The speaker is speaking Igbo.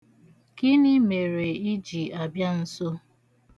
Gịnị mere ị ji abịa nsọ?